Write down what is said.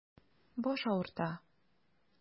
Баш авырта.